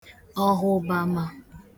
ọ̀hụ̀bàamā